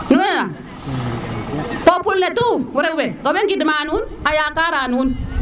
nu nana peuple ne tout rew o wey gind ma nuun a yakara nuun